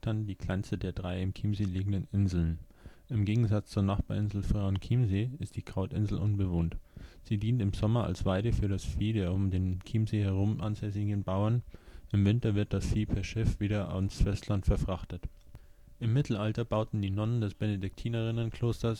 die kleinste der drei im Chiemsee liegenden Inseln. Im Gegensatz zur Nachbarinsel Frauenchiemsee ist die Krautinsel unbewohnt. Sie dient im Sommer als Weide für das Vieh der um den Chiemsee herum ansässigen Bauern. Im Herbst wird das Vieh per Schiff wieder ans Festland verfrachtet. Im Mittelalter bauten Nonnen des Benedektinerinnenklosters